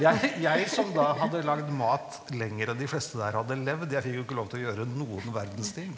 jeg jeg som da hadde lagd mat lenger enn de fleste der hadde levd jeg fikk jo ikke lov til å gjøre noen verdens ting.